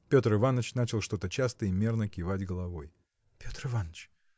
Петр Иваныч начал что-то часто и мерно кивать головой. – Петр Иваныч!